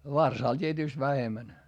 varsalle tietysti vähemmän